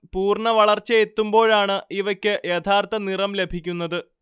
പൂർണ്ണവളർച്ചയെത്തുമ്പോഴാണ് ഇവക്ക് യഥാർത്ത നിറം ലഭിക്കുന്നത്